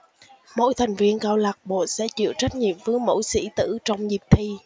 mỗi thành viên câu lạc bộ sẽ chịu trách nhiệm với mỗi sĩ tử trong dịp thi